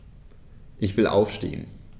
Ich will aufstehen.